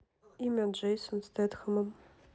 имя джейсон стэтхэмом